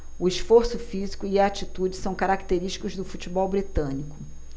o esforço físico e a atitude são característicos do futebol britânico